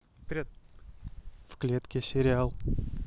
в клетке сериал